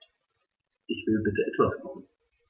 Ich will bitte etwas kochen.